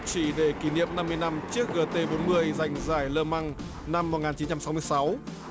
chỉ để kỷ niệm năm mươi năm chiếc gờ tê bốn mươi giành giải lơ măng năm một ngàn chín trăm sáu mươi sáu